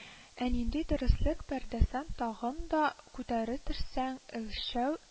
Ә нинди дөреслек пәрдәсән тагын да күтәре төшсәң, өлчәү